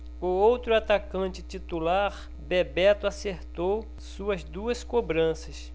o outro atacante titular bebeto acertou suas duas cobranças